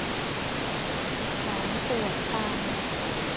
ฉันปวดฟัน